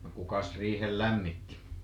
no kukas riihen lämmitti